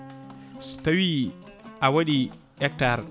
so tawi a waɗi hectare